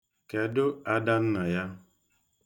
Kedụ Adannaya?